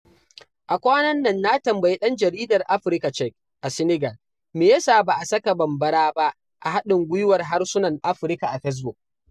A kwanan nan na tambayi ɗan jaridar 'Africa Check' a Senegal me ya sa ba a saka Bambara ba a haɗin gwiwar harsunan Afirka a fesbuk.